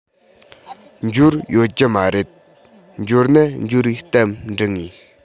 འབྱོར ཡོད ཀྱི མ རེད འབྱོར ན འབྱོར བའི གཏམ འབྲི ངེས